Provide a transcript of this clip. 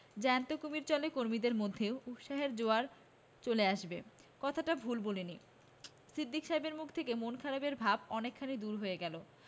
জ্যান্ত কুমীর চলে এলে কর্মীদের মধ্যেও উৎসাহের জোয়ার চলে আসবে কথাটা ভুল বলনি সিদ্দিক সাহেবের মুখ থেকে মন খারাপের ভাব অনেকখানি দূর হয়ে গেল